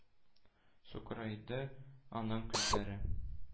Сукырайды аның күзләре.